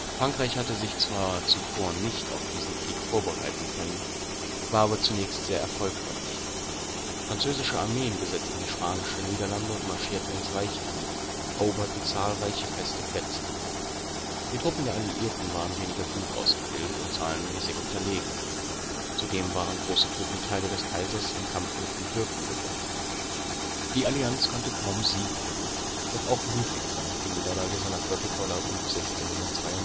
Frankreich hatte sich zwar zuvor nicht auf diesen Krieg vorbereiten können, war aber zunächst sehr erfolgreich. Französische Armeen besetzten die Spanische Niederlande und marschierten ins Reich ein, eroberten zahlreiche feste Plätze. Die Truppen der Alliierten waren weniger gut ausgebildet und zahlenmäßig unterlegen. Zudem waren große Truppenteile des Kaisers im Kampf mit den Türken gebunden. Die Allianz konnte kaum Siege verbuchen, doch auch Ludwig traf die Niederlage seiner Flotte vor La Hougue 1692